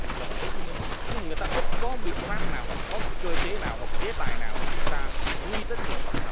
là thành phố chí minh như một người ta ít có biện pháp nào hoặc có cơ chế nào hoặc chế tài nào để chúng ta quy trách nhiệm của tổng thầu